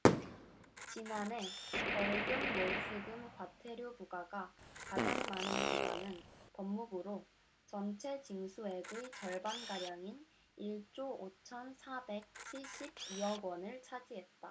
지난해 벌금 몰수금 과태료 부과가 가장 많은 기관은 법무부로 전체 징수액의 절반가량인 일 조 오천 사백 칠십 이 억원을 차지했다